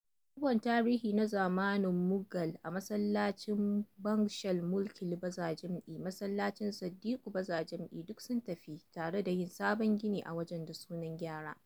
Ragowar abubuwan tarihi na zamanin Mughal a masallacin Bangshal Mukim Baza Jam-e da masallacin Siddiƙue Bazar Jam-e duk sun tafi, tare da yin sabon gini a wajen da sunan gyarawa.